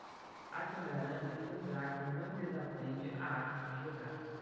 há quem garanta que um craque não desaprende a arte de jogar